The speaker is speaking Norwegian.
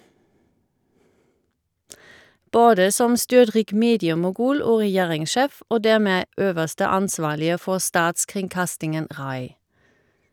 Både som styrtrik mediemogul og regjeringssjef, og dermed øverste ansvarlige for statskringkastingen RAI.